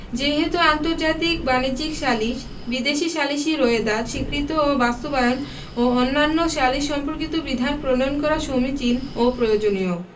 যেইহেতু আন্তর্জাতিক বাণিজ্যিক সালিস বিদেশী সালিসী রোয়েদাদ স্বীকৃত ও বাস্তবায়ন এবং অন্যান্য সালিস সম্পর্কিত বিধান প্রণয়ন করা সমীচীন ও প্রয়োজনীয়